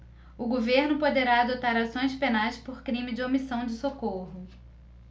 o governo poderá adotar ações penais por crime de omissão de socorro